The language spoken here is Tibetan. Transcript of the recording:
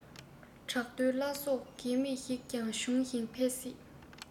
བྲག རྡོའི བླ སྲོག རྒས མེད ཞིག ཀྱང འབྱུང ཞིང འཕེལ སྲིད